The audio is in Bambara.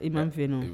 I bɛ' n fɛ nɔ